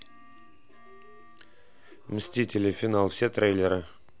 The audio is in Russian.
мстители финал все трейлеры